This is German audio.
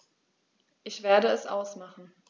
Ich werde es ausmachen